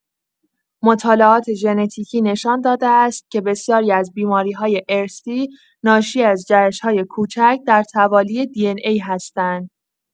مطالعات ژنتیکی نشان داده است که بسیاری از بیماری‌های ارثی ناشی از جهش‌های کوچک در توالی دی‌ان‌ای هستند.